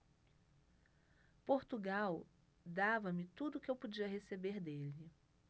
portugal dava-me tudo o que eu podia receber dele